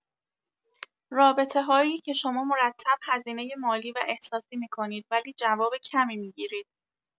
رابطه‌هایی که شما مرتب هزینۀ مالی و احساسی می‌کنید ولی جواب کمی می‌گیرید.